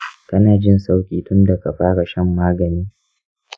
kana jin sauƙi tun da ka fara shan magani?